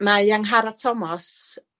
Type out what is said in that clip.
Mae Angharad Thomos